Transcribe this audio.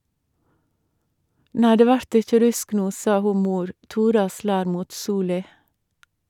Nei, det vert ikkje rusk no, sa ho mor, tora slær mot soli.